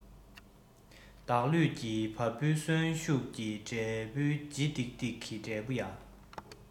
བདག ལུས ཀྱི བ སྤུའི གསོན ཤུགས ཀྱི འབྲས བུའི ལྗིད ཏིག ཏིག གི འབྲས བུ ཡ